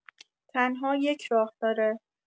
تنها یک راه داره